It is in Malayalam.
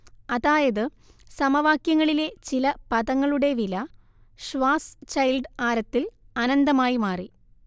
അതായത് സമവാക്യങ്ങളിലെ ചില പദങ്ങളുടെ വില ഷ്വാർസ്ചൈൽഡ് ആരത്തിൽ അനന്തമായി മാറി